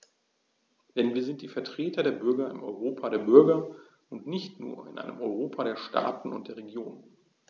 Denn wir sind die Vertreter der Bürger im Europa der Bürger und nicht nur in einem Europa der Staaten und der Regionen.